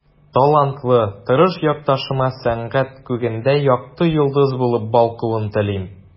Талантлы, тырыш якташыма сәнгать күгендә якты йолдыз булып балкуын телим.